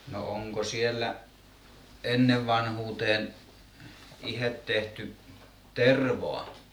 no onko siellä ennen vanhuuteen itse tehty tervaa